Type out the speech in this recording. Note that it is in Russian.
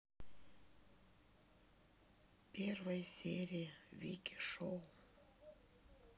первая серия вики шоу